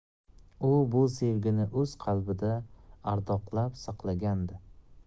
u bu sevgini o'z qalbida ardoqlab saqlagandi